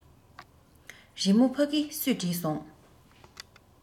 རི མོ ཕ གི སུས བྲིས སོང